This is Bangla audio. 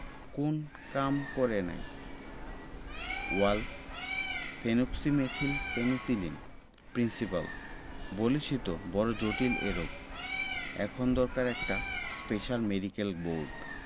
কোন কাম করে নাই ওরাল ফেনোক্সিমেথিল পেনিসিলিন প্রিন্সিপাল বলেছি তো বড় জটিল এ রোগ এখন দরকার একটা স্পেশাল মেডিকেল বোর্ড